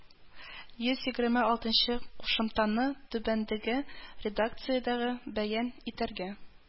Йөз егерме алтынчы кушымтаны түбәндәге редакциядә бәян итәргә: